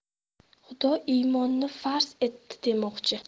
xudo iymonni farz etti demoqchi